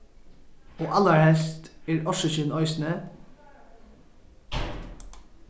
og allarhelst er orsøkin eisini